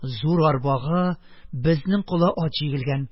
Зур арбага безнең кола ат җигелгән: